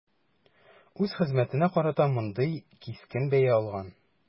Үз хезмәтенә карата мондый кискен бәя алган.